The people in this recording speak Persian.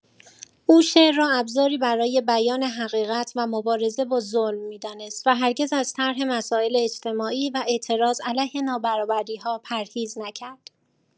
او شعر را ابزاری برای بیان حقیقت و مبارزه با ظلم می‌دانست و هرگز از طرح مسائل اجتماعی و اعتراض علیه نابرابری‌ها پرهیز نکرد.